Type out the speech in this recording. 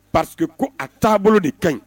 Parce ko a taabolo de ka ɲi